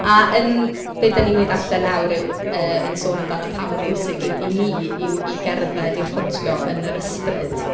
A yn be dan ni'n mynd i ddarllen nawr yw... yy yn sôn amdano pa mor bwysig yw... i ni yw i gerdded, i rhodio yn yr ysbryd.